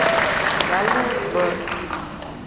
салют б